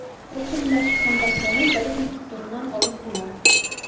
Рус телендә чыккан басманы Тарих институтыннан алып була.